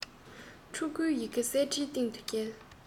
ཕྲུ གུའི ཡི གེ གསེར ཁྲིའི སྟེང དུ སྐྱོལ